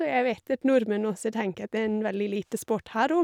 Og jeg vet at nordmenn også tenker at det er en veldig lite sport her òg.